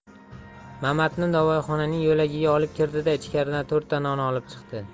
mamatni novvoyxonaning yo'lagiga olib kirdida ichkaridan to'rtta non olib chiqdi